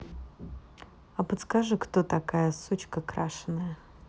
а подскажи кто такая сучка крашенная